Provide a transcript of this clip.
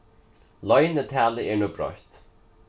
loynitalið er nú broytt